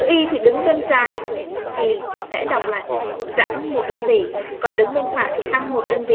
chữ y thì đứng bên trái thì sẽ đọc lại dẫn một đơn vị còn đứng bên phải thì tăng đơn